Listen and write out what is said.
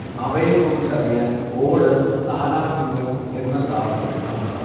അവയെക്കുറിച്ചറിയാൻ ഓട് നാനാർത്ഥങ്ങൾ എന്ന താൾ കാണുക